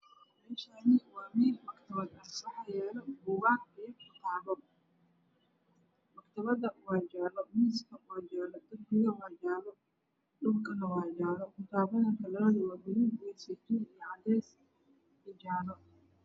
Meshani waa magtabad waxaa yalo bugaag iyo kutabo maktabada waa jalo miska waa jalo dhulkana waa jale kutabada kalaradoodu waa gaduud iyo saytuuni iyo jale